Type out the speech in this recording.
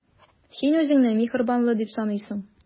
Син үзеңне миһербанлы дип саныйсың.